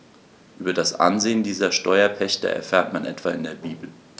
Über das Ansehen dieser Steuerpächter erfährt man etwa in der Bibel.